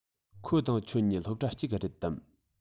ཁོ དང ཁྱོད གཉིས སློབ གྲྭ གཅིག གི རེད དམ